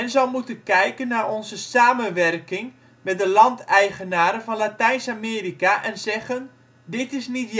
zal moeten kijken naar onze samenwerking met de landeigenaren van Latijns-Amerika en zeggen: " Dit is niet